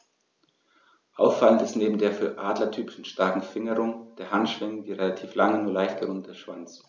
Auffallend ist neben der für Adler typischen starken Fingerung der Handschwingen der relativ lange, nur leicht gerundete Schwanz.